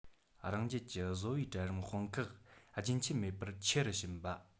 རང རྒྱལ གྱི བཟོ པའི གྲལ རིམ དཔུང ཁག རྒྱུན ཆད མེད པར ཆེ རུ ཕྱིན པ